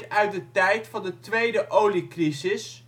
uit de tijd van de tweede oliecrisis